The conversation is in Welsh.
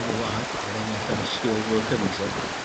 yn y wlad er enghraifft ar y skilled worker visa